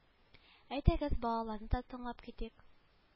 Әйдәгез балаларны да тыңлап китик